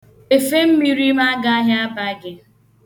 Efemmiri m agaghị aba gị.